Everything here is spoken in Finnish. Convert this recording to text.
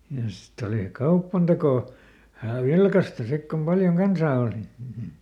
ja sitten oli kaupantekoa vähän vilkasta sitten kun paljon kansaa oli